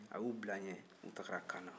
a y'u bil'a ɲɛ u tagara kaana